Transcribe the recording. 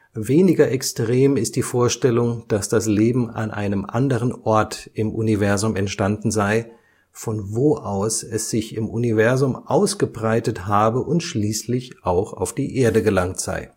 Weniger extrem ist die Vorstellung, dass das Leben an einem anderen Ort im Universum entstanden sei, von wo aus es sich im Universum ausgebreitet habe und schließlich auch auf die Erde gelangt sei